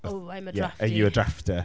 Ww, I’m a draftee. ...Ie are you a drafter?